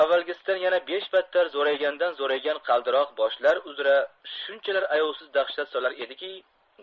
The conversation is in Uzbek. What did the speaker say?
avvalgisidan yana beshbadtar zo'raygandan zo'raygan qaldiroq boshlar uzra shunchalar ayovsiz dahshat solar ediki